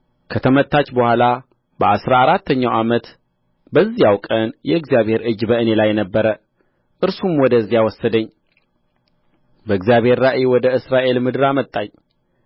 ከተመታች በኋላ በአሥራ አራተኛው ዓመት በዚያው ቀን የእግዚአብሔር እጅ በእኔ ላይ ነበረ እርሱም ወደዚያ ወሰደኝ በእግዚአብሔር ራእይ ወደ እስራኤል ምድር አመጣኝ